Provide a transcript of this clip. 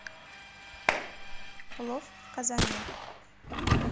плов в казане